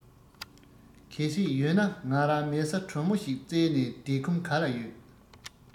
གལ སྲིད ཡོད ན ང རང མལ ས དྲོན མོ ཞིག བཙལ ནས བསྡད ཁོམ ག ལ ཡོད